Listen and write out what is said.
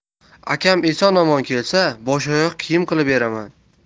akam eson omon kelsa bosh oyoq kiyim qilib beraman